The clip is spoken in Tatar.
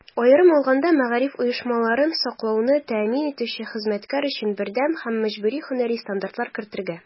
Аерым алганда, мәгариф оешмаларын саклауны тәэмин итүче хезмәткәр өчен бердәм һәм мәҗбүри һөнәри стандартлар кертергә.